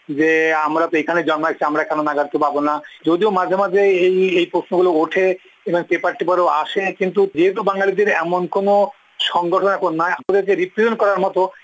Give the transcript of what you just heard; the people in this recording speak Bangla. যে আমরা তো এখানে জন্মাইছি আমরা কেন নাগরিকত্ব পাবো না যদিও মাঝে মাঝে এই প্রশ্নগুলো ওঠে পেপার টেপারে ও আসে কিন্তু যদিও বাঙ্গালীদের এমন কোন সংগঠন নাই এদেরকে রিপ্রেজেন্ট করার মত